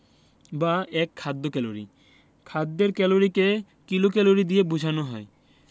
বা এক খাদ্য ক্যালরি খাদ্যের ক্যালরিকে কিলোক্যালরি দিয়ে বোঝানো হয়